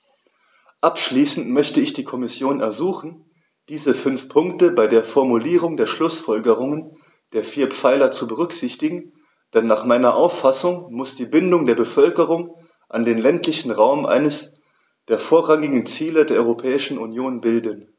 Abschließend möchte ich die Kommission ersuchen, diese fünf Punkte bei der Formulierung der Schlußfolgerungen der vier Pfeiler zu berücksichtigen, denn nach meiner Auffassung muss die Bindung der Bevölkerung an den ländlichen Raum eines der vorrangigen Ziele der Europäischen Union bilden.